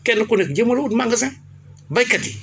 kenn ku nekk jéem a la ut magasin béykat yi